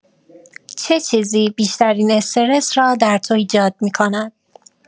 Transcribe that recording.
چه چیزی بیشترین استرس را در تو ایجاد می‌کند؟